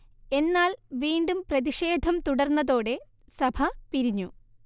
എന്നാൽ വീണ്ടും പ്രതിഷേധം തുടർന്നതോടെ സഭ പിരിഞ്ഞു